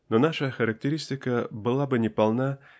Но наша характеристика была бы неполна